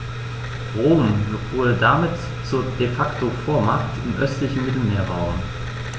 Rom wurde damit zur ‚De-Facto-Vormacht‘ im östlichen Mittelmeerraum.